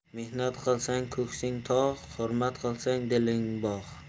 mehnat qilsang ko'ksing tog' hurmat qilsang diling bog'